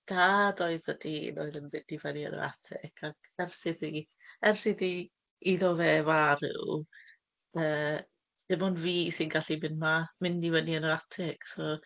Dad oedd y dyn oedd yn mynd i fyny yn yr atig, ac ers iddi ers iddi iddo fe farw, yy, dim ond fi sy'n gallu mynd ma-, mynd i fyny yn yr atig, so...